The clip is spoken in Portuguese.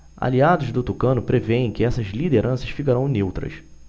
aliados do tucano prevêem que essas lideranças ficarão neutras